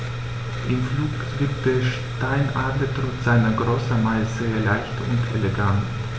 Im Flug wirkt der Steinadler trotz seiner Größe meist sehr leicht und elegant.